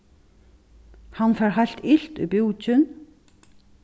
hann fær heilt ilt í búkin